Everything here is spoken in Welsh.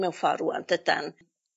mewn ffor rŵan dydan?